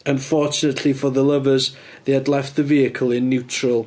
Unfortunatly for the lovers they had left the vehicle in neutral.